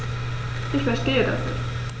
Ich verstehe das nicht.